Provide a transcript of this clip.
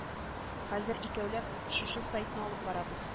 Хәзер икәүләп шушы сайтны алып барабыз